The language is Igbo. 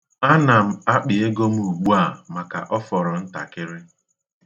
Ana m akpị ego m ugbu a maka ọ fọrọ ntakịrị.